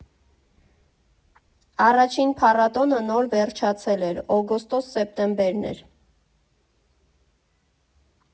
Առաջին փառատոնը նոր վերջացել էր, օգոստոս֊սեպտեմբերն էր։